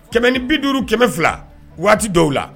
Kɛmɛ ni bi duuru kɛmɛ fila waati dɔw la